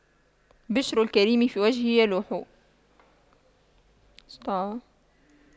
بِشْرُ الكريم في وجهه يلوح